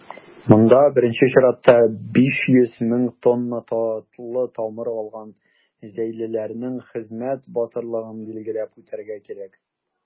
Монда, беренче чиратта, 500 мең тонна татлы тамыр алган зәйлеләрнең хезмәт батырлыгын билгеләп үтәргә кирәк.